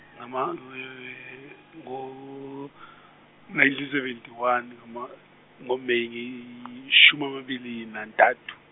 ngo- nineteen seventy one ama- ngo- May ngeyi shum' amabili nantathu.